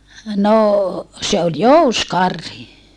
no se oli jousikarhi